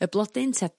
y blodyn tua